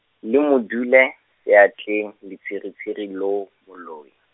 le mo dule, seatleng, letsiritsiri loo, moloi.